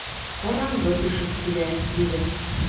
Караңгы төшеп килә, - диде.